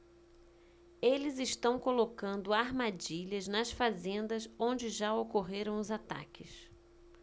eles estão colocando armadilhas nas fazendas onde já ocorreram os ataques